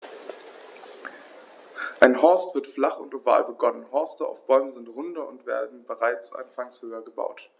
Ein Horst wird flach und oval begonnen, Horste auf Bäumen sind runder und werden bereits anfangs höher gebaut.